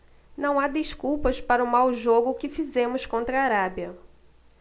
não há desculpas para o mau jogo que fizemos contra a arábia